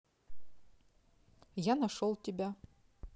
я нашел тебя